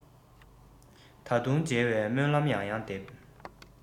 ད དུང མཇལ བའི སྨོན ལམ ཡང ཡང འདེབས